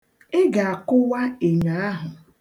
Ị ga-akụwa enyo ahụ.